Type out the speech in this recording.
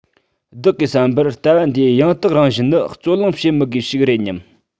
བདག གིས བསམ པར ལྟ བ འདིའི ཡང དག རང བཞིན ནི རྩོད གླེང བྱེད མི དགོས ཞིག རེད སྙམ